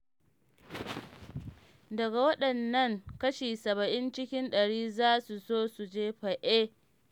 Daga waɗannan, kashi 70 cikin ɗari za su so su jefa eh.